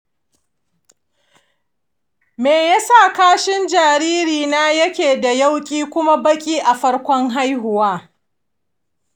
me ya sa kashin jaririna yake da yauƙi kuma baƙi a farkon haihuwa?